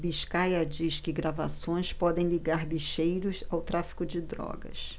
biscaia diz que gravações podem ligar bicheiros ao tráfico de drogas